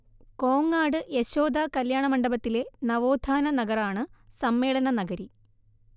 കോങ്ങാട് യശോദ കല്യാണമണ്ഡപത്തിലെ നവോത്ഥാന നഗറാണ് സമ്മേളനനഗരി